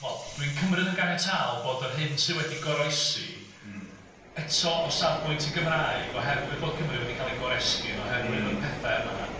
..wel, dwi'n cymryd yn ganiataol bod yr hyn sy wedi goroesi eto o safbwynt y Gymraeg, oherwydd bod Cymru wedi cael ei goresgyn, oherwydd y pethau yma.